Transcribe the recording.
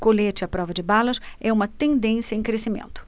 colete à prova de balas é uma tendência em crescimento